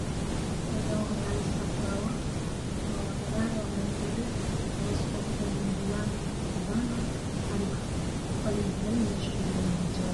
Halkaan waxaa yaalla qabsan caleen waxaa ku jiro cadaan ay ku xiran tahay